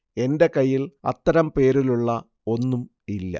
എന്റെ കയ്യിൽ അത്തരം പേരിലുള്ള ഒന്നും ഇല്ല